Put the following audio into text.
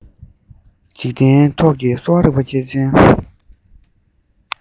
འཇིག རྟེན ཐོག གི གསོ བ རིག པ མཁས ཅན